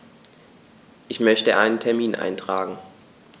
Ich möchte einen Termin eintragen.